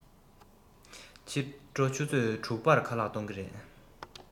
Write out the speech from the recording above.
ཕྱི དྲོ ཆུ ཚོད དྲུག པར ཁ ལག གཏོང གི རེད